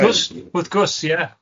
Wrth gwrs, wrth gwrs, ie.